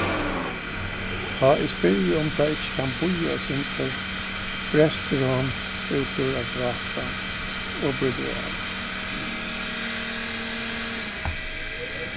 tá eg spyrji um tað ikki kann bíða eitt sindur brestir hon útúr at gráta og brýtur av